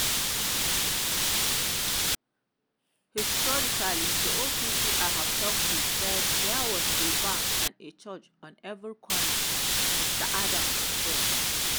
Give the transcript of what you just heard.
"Historically, the old people I've talked to say there was a bar and a church on every corner," Mr. Adams said.